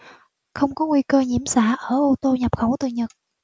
không có nguy cơ nhiễm xạ ở ô tô nhập khẩu từ nhật